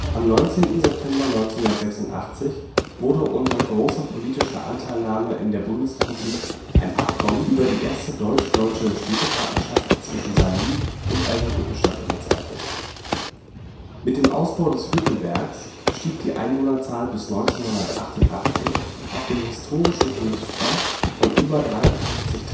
Am 19. September 1986 wurde unter großer politischer Anteilnahme in der Bundesrepublik ein Abkommen über die erste deutsch-deutsche Städtepartnerschaft zwischen Saarlouis und Eisenhüttenstadt unterzeichnet. Mit dem Ausbau des Hüttenwerks stieg die Einwohnerzahl bis 1988 auf den historischen Höchststand von über 53.000